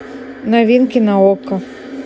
новинки на окко